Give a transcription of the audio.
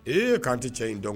Ee k'an tɛ cɛ ye in dɔn